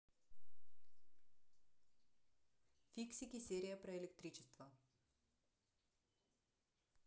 фиксики серия про электричество